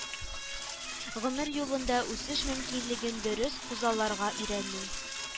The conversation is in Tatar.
Гомер юлында үсеш мөмкинлеген дөрес күзалларга өйрәнү